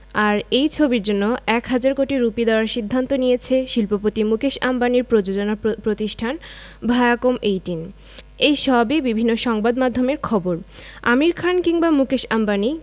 আর এই ছবির জন্য এক হাজার কোটি রুপি দেওয়ার সিদ্ধান্ত নিয়েছে শিল্পপতি মুকেশ আম্বানির প্রযোজনা প্রতিষ্ঠান ভায়াকম এইটিন এই সবই বিভিন্ন সংবাদমাধ্যমের খবর আমির খান কিংবা মুকেশ আম্বানি